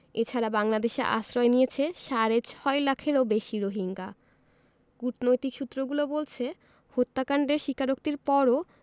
এ ছাড়া বাংলাদেশে আশ্রয় নিয়েছে সাড়ে ছয় লাখেরও বেশি রোহিঙ্গা কূটনৈতিক সূত্রগুলো বলছে হত্যাকাণ্ডের স্বীকারোক্তির পরও